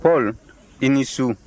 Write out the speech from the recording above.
pɔl i ni su